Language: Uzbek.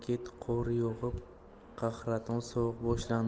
ket qor yog'ib qahraton sovuq boshlandi